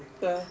waaw